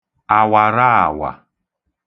àwàraàwà